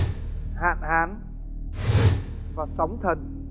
hạn hán và sóng thần